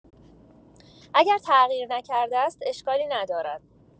اگر تغییر نکرده است، اشکالی ندارد.